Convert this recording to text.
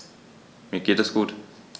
Mir geht es gut.